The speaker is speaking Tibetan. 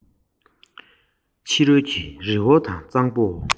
ཕྱི རོལ གྱི རི བོ དང གཙང པོ